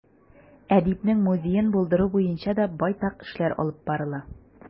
Әдипнең музеен булдыру буенча да байтак эшләр алып барыла.